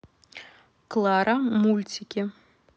клара мультики